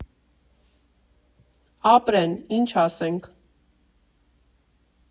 Ապրեն, ինչ ասենք։